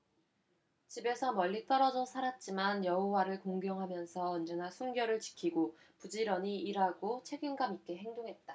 집에서 멀리 떨어져 살았지만 여호와를 공경하면서 언제나 순결을 지키고 부지런히 일하고 책임감 있게 행동했다